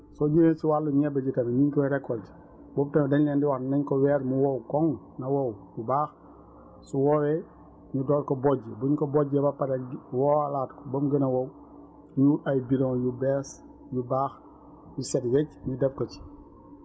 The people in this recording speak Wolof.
soo ñëwee si wàllu ñebe gi tamit ñungi koy récolter boobu tamit dañ leen di wax nañ ko weer mu wow koŋŋ na wow bu baax su wowee ñu door ko bojj buñ ko bojjee ba pare wowalaat ko ba mu gën a wow ñu wut ay bidons yu bees yu baax yu set wécc ñu def ko ci